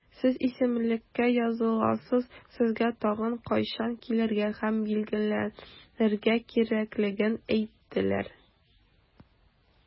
Сез исемлеккә языласыз, сезгә тагын кайчан килергә һәм билгеләнергә кирәклеген әйтәләр.